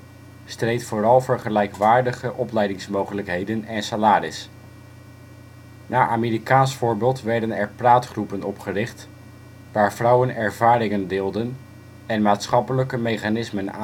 streed vooral voor gelijkwaardige opleidingsmogelijkheden en salaris. Naar Amerikaans voorbeeld werden er praatgroepen opgericht waar vrouwen ervaringen deelden en maatschappelijke mechanismen